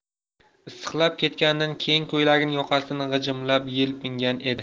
issiqlab ketganidan keng ko'ylagining yoqasini g'ijimlab yelpingan edi